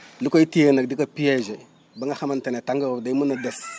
lu koy téye nag di ko piéger ba nga xamante ne tàngoor wi day mun a des